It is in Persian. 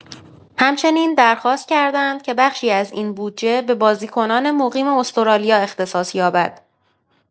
همچنین درخواست کردند که بخشی از این بودجه به بازیکنان مقیم استرالیا اختصاص یابد.